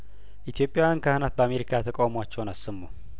ኢትዮጵያውያን ካህናት በአሜሪካ ተቃውሟቸውን አሰሙ